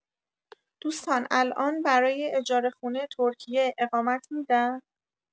دوستان الان برای اجاره خونه ترکیه اقامت می‌دن؟